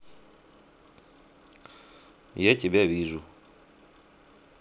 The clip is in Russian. я тебя вижу